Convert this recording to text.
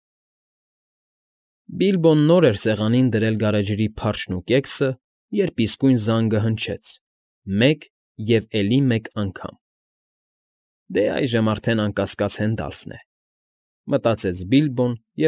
Բիլբոն նոր էր սեղանին դրել գարեջրի փարչն ու կեքսը, երբ իսկույն զանգը հնչեց՝ մեկ և էլի մեկ անգամ։ «Դե, այժմ արդեն անկասկած Հենդալֆն է», ֊ մտածեց Բիլբոն և։